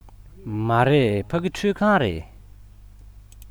མ རེད ཕ གི ཁྲུད ཁང རེད